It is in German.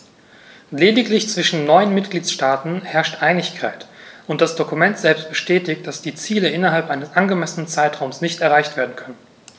Lediglich zwischen neun Mitgliedsstaaten herrscht Einigkeit, und das Dokument selbst bestätigt, dass die Ziele innerhalb eines angemessenen Zeitraums nicht erreicht werden können.